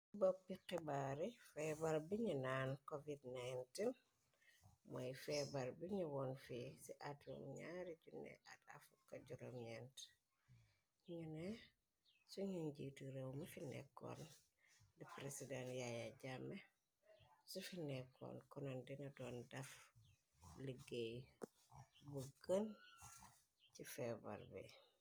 Boppi xibaari feebar biñu naan covid-9 mooy feebar bi ñu woon fii ci atum 20tafra ñu ne suñu njiitu réew mëfi nekkoon di president yaaya jàmme sufi nekkoon konan dina doon daf liggéey bu gën ci feebar bi.